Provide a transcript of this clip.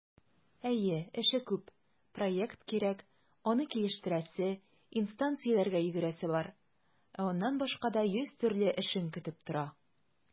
Әйе, эше күп - проект кирәк, аны килештерәсе, инстанцияләргә йөгерәсе бар, ә аннан башка да йөз төрле эшең көтеп тора.